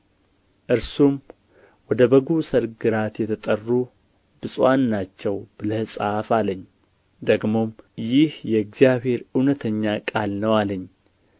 እርሱም ወደ በጉ ሰርግ እራት የተጠሩ ብፁዓን ናቸው ብለህ ጻፍ አለኝ ደግሞም ይህ የእግዚአብሔር እውነተኛ ቃል ነው አለኝ